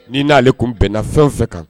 N'i n'ale kun bɛnna fɛn fɛ kan